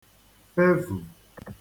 vevù